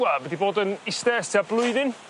wel ma' 'di bod yn iste e's tua blwyddyn